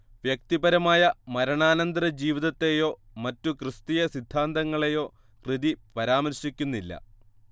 വ്യക്തിപരമായ മരണാനന്തരജീവിതത്തേയോ മറ്റു ക്രിസ്തീയ സിദ്ധാന്തങ്ങളേയോ കൃതി പരാമർശിക്കുന്നില്ല